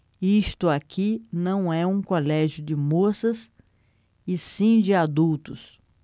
isto aqui não é um colégio de moças e sim de adultos